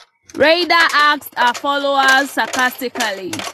Reyder asked her followers sarcastically.